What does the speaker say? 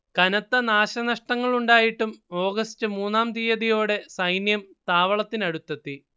കനത്ത നാശനഷ്ടങ്ങളുണ്ടായിട്ടും ഓഗസ്റ്റ് മൂന്നാം തീയതിയോടെ സൈന്യം താവളത്തിനടുത്തെത്തി